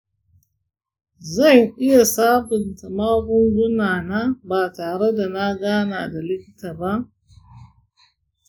zan iya sabunta magunguna na ba tare da na gana da likita ba?